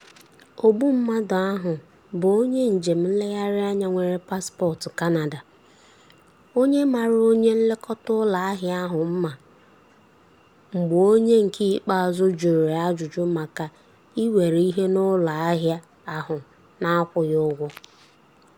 Ogbu mmadụ ahụ bụ onye njem nlegharị anya nwere pasịpọọtụ Canada, onye mara onye nlekọta ụlọ ahịa ahụ mma mgbe onye nke ikpeazụ jụrụ ya ajụjụ maka iwere ihe n'ụlọ ahịa ahụ n'akwụghị ụgwọ.